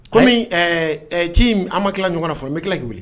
Kɔmi ɛ tlm an ma tila ɲɔgɔn fɔ n bɛ tila'i weelr